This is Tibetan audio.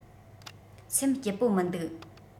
སེམས སྐྱིད པོ མི འདུག